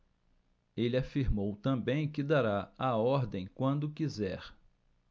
ele afirmou também que dará a ordem quando quiser